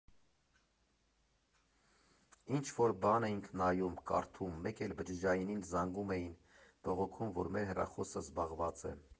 Ինչ֊որ բան էինք նայում, կարդում, մեկ էլ բջջայինին զանգում էին՝ բողոքում, որ մեր հեռախոսը զբաղված է։